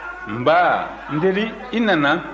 nba n teri i nana